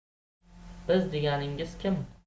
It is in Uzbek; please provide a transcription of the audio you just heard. biz deganingiz kim